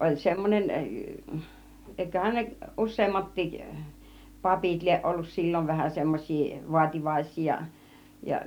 oli semmoinen eiköhän ne useammatkin papit lie ollut silloin vähän semmoisia vaativaisia ja ja